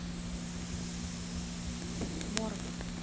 морган